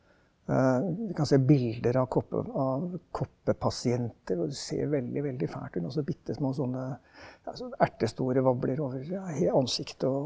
vi kan se bilder av av koppepasienter, og det ser veldig veldig fælt ut, er sånne bitte små sånne ja sånn ertestore vabler over ansiktet og.